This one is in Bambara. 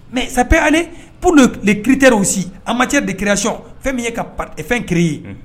Mɛ sap ale p le kiiriterw si an ma cɛ de kirec fɛn min ye ka fɛn ki ye